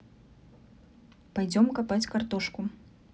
пойдем копать картошку